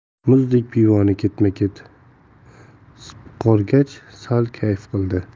muzdek pivoni ketma ket sipqorgach sal kayf qildi